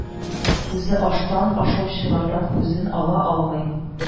Үзе аштан, ашаучылардан күзен ала алмый